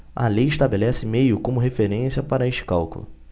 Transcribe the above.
a lei estabelece maio como referência para este cálculo